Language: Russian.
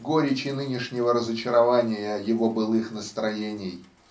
в горечи нынешнего разочарования его былых настроений